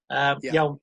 Yym iawn.